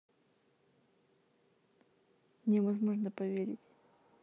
невозможно поверить